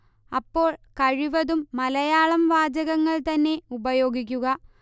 അപ്പോൾ കഴിവതും മലയാളം വാചകങ്ങൾ തന്നെ ഉപയോഗിക്കുക